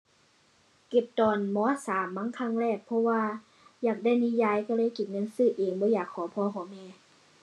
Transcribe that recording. เก็บตอน ม. สาม มั้ง ครั้งแรก เพราะว่าอยากได้นิยายก็เลยเก็บเงินซื้อเอง บ่อยากขอพ่อขอแม่